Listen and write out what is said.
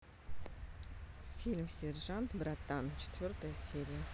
фильм сержант братан четвертая серия